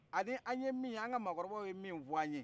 ani an ye min ye an ka maakɔrɔbaw ye min f'an ye